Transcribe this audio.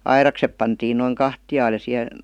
aidakset pantiin noin kahtialle ja siihen